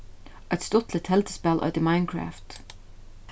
eitt stuttligt telduspæl eitur minecraft